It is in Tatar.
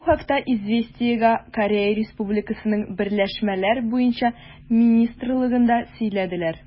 Бу хакта «Известия»гә Корея Республикасының берләшмәләр буенча министрлыгында сөйләделәр.